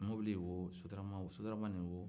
mobili o sotarama o